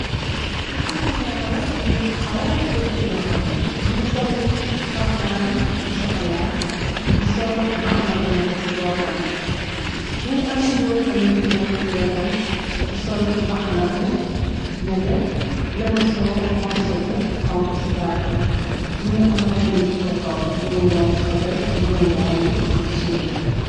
ousain darboe më ngi taxaw yëkkati la xom bi mi ngi solu xaftaan bu sokola mu sol mbaxana bu nete ci boppam bi mi ngi am góor tamit bu nekk ci wetam ku sol mbaxana bu nete lama soo morso bu xonk ci baatam bi mi ngi am ay nit juko topp ñeneen yang ci ote ñeneen yang ci suuf